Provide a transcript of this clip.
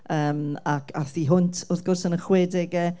yym ac aeth hi hwnt wrth gwrs yn y chwedegau.